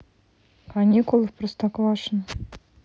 каникулы в простоквашино